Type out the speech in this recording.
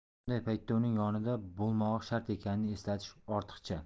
bunday paytda uning yonida bo'lmog'i shart ekanini eslatish ortiqcha